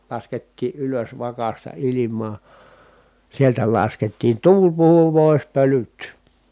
laskettiin ylös vakasta ilmaa sieltä laskettiin tuuli puhui pois pölyt